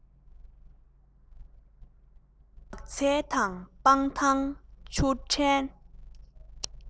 ནགས ཚལ དང སྤང ཐང ཆུ ཕྲན